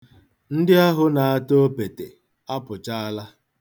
Ndị ahụ na-ata opete apụchaala.